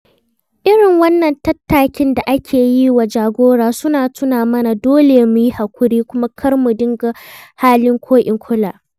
Irin wannan tattakin da ake yi wa jagora suna tuna mana dole mu yi haƙuri kuma kar mu dinga halin ko-in-kula.